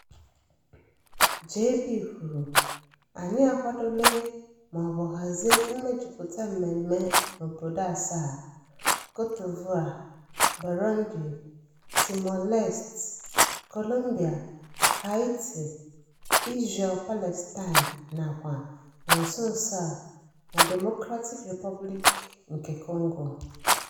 JB: Anyị akwadola maọbụ hazie mmejupụta mmemme n'obodo asaa: Côte d'Ivoire, Burundi, Timor Leste, Colombia, Haïti, Israël-Palestine nakwa, na nso nso a, na Democratic Republic of Congo.